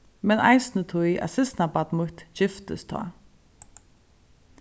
men eisini tí at systkinabarn mítt giftist tá